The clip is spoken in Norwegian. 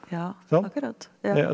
ja akkurat ja.